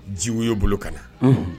Jiwoyo bolo ka na Unhun